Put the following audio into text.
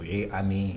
O ye Ami